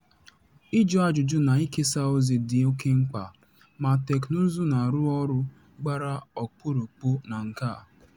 Ịjụ ajụjụ na ikesa ozi dị oke mkpa, ma teknụzụ na-arụ ọrụ gbara ọkpụrụkpụ na nke a.